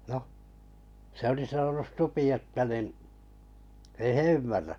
no se oli sanonut supi että niin ei he ymmärrä